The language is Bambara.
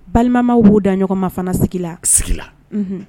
Balimama b'o da ɲɔgɔnma fana sigila sigila